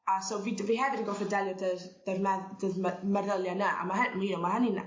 A so fi d- fi hefyd yn goffo delo 'dy'r 'dy'r medd- 'dy'r me- meddylie 'na a ma' hy- you know ma' hynny'n yy